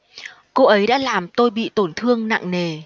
cô ấy đã làm tôi bị tổn thương nặng nề